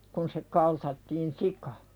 kun se kaltattiin sika